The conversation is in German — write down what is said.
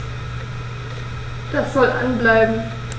Das soll an bleiben.